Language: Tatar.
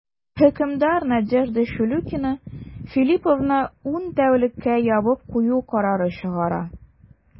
Хөкемдар Надежда Чулюкина Филлиповны ун тәүлеккә ябып кую карары чыгара.